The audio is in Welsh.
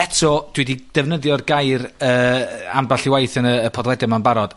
eto, dwi 'di defnyddio'r gair yy ambell i waith yn y y podlediad ma'n barod